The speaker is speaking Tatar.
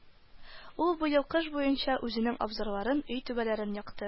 Ул быел кыш буенча үзенең абзарларын, өй түбәләрен якты